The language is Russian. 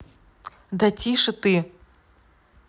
да тише ты